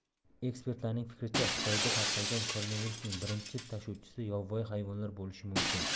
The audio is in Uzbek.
ekspertlarning fikricha xitoyda tarqalgan koronavirusning birinchi tashuvchisi yovvoyi hayvonlar bo'lishi mumkin